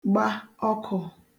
gba ọkụ̄